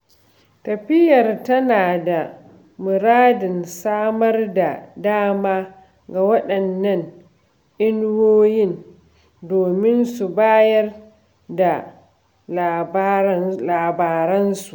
Tafiyar tana da muradin samar da dama ga waɗannan inuwoyin domin su bayar da labaransu.